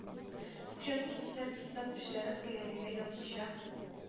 Хуҗаның исәп-хисап эшләрен кенәгәгә язмыйча,